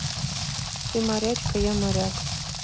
ты морячка я моряк